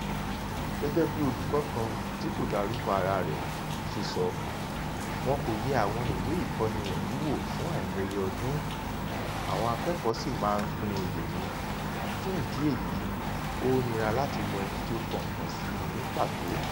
Gẹ́gẹ́ bí olùkọ́ kan tí kò dárúkọ araa rẹ̀ ṣe sọ, wọn kò yẹ àwọn ìwé ìkọ́ni wọ̀nyí wò fún àìmọye ọdún, àwọn akẹ́kọ̀ọ́ sì máa ń pín in lò ni, fún ìdí èyí ó nira láti mọ ẹni tí ó kọ nǹkan sí i ní pàtó.